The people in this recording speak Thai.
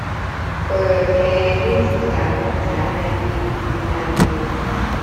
เปิดแอร์ยี่สิบสามองศาในอีกสิบนาที